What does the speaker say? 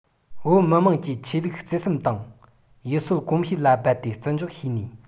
བོད མི དམངས ཀྱི ཆོས ལུགས བརྩེ སེམས དང ཡུལ སྲོལ གོམས གཤིས ལ རྦད དེ བརྩི འཇོག ཞུས ནས